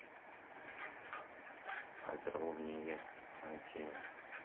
подробнее один